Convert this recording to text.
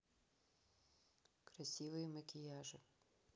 красивые макияжи